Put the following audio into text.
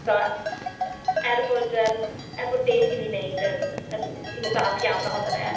So er bod yym er bod beth 'y ni'n wneud yn yn... 'y ni'n falch iawn ohono fe.